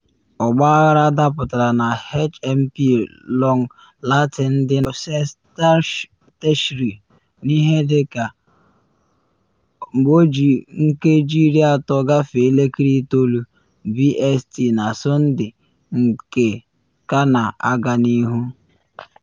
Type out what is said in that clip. Ọgbaghara dapụtara na HMP Long Lartin dị na Worcestershire n’ihe dị ka 09:30 BST na Sọnde nke ka na aga n’ihu.